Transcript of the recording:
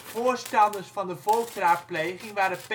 Voorstanders van de volksraadpleging waren